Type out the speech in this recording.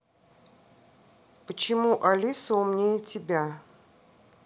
почему алиса умнее тебя